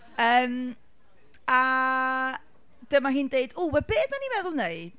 Yym, a dyma hi'n deud, "W! Wel be dan ni'n meddwl wneud"